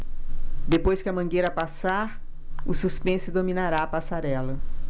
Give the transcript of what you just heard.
depois que a mangueira passar o suspense dominará a passarela